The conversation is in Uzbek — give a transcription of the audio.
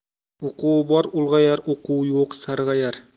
uquvi bor ulg'ayar uquvi yo'q sarg'ayar